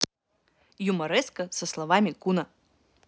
юмореска со словами куно